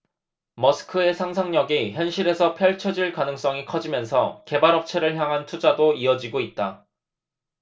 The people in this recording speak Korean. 머스크의 상상력이 현실에서 펼쳐질 가능성이 커지면서 개발업체를 향한 투자도 이어지고 있다